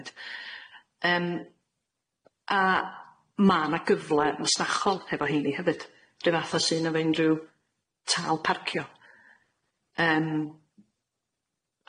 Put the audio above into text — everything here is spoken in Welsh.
oed yym a ma' na gyfle masnachol hefo heini hefyd rhyw fath o sy'n of unrhyw tâl parcio yym,